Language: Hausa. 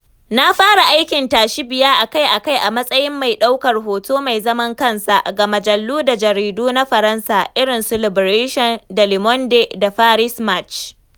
Na fara aikin tashi-biya a kai a kai a matsayin mai ɗaukar hoto mai zaman kansa ga mujallu da jaridu na Faransa, irin su Libération, da Le Monde, da Paris Match.